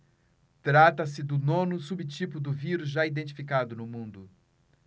trata-se do nono subtipo do vírus já identificado no mundo